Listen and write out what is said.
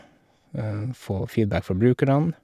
Få feedback fra brukerne.